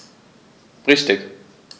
Richtig